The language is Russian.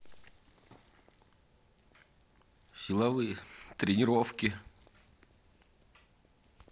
силовые тренировки